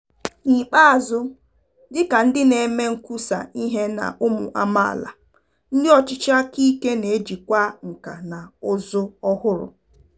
N'ikpeazụ, dịka ndị na-eme nkwusa ihe na ụmụ amaala, ndị ọchịchị aka ike na-ejikwa nkà na ụzụ ọhụrụ.